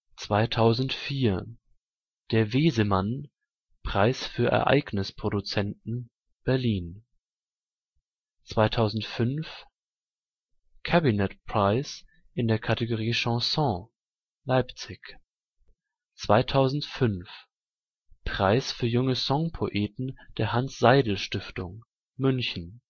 2004: Der Wesemann – Preis für Ereignisproduzenten, Berlin 2005: Cabinet-Preis in der Kategorie Chanson, Leipzig 2005: Preis für junge Songpoeten der Hanns-Seidel-Stiftung, München